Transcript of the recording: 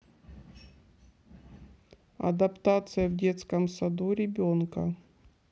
адаптация в детском саду ребенка